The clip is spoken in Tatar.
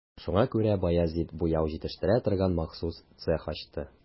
Шуңа күрә Баязит буяу җитештерә торган махсус цех ачты.